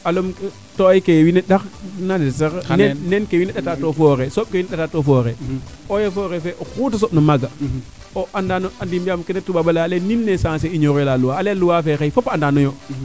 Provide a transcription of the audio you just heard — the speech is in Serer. alom to'oy ke wiin we ndax na ne'e sax xa neen neen ke wiin we ndata to foore sooɓ ke wiin we ɗata to foore eaux et Lfra foret feeoxu te soɓ na maaga o anaan o andin yaam kene toubab a leye a leye nul n' est sencer ignorer la loi ale loi fee xay fopa andaa noyo